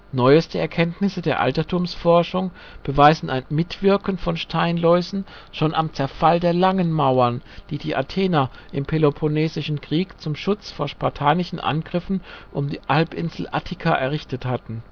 Neueste Erkenntnisse der Altertumsforschung beweisen ein Mitwirken von Steinläusen schon am Zerfall der " Langen Mauern ", die die Athener im Peloponnesischen Krieg zum Schutz vor spartanischen Angriffen um die Halbinsel Attika errichtet hatten